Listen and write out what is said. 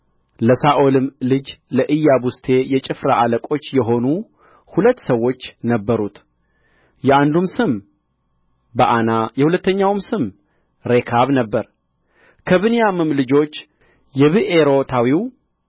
ለሳኦልም ልጅ ለኢያቡስቴ የጭፍራ አለቆች የሆኑ ሁለት ሰዎች ነበሩት የአንዱም ስም በዓና የሁለተኛውም ስም ሬካብ ነበረ ከብንያምም ልጆች የብኤሮታዊው